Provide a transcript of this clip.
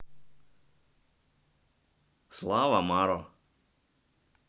слава maro